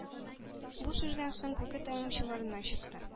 Бу сүздән соң Күке тәмам чыгарыннан чыкты.